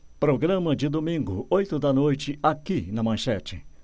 programa de domingo oito da noite aqui na manchete